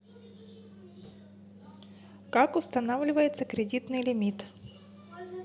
как устанавливается кредитный лимит